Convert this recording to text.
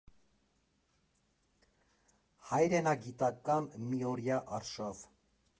Հայրենագիտական միօրյա արշավ։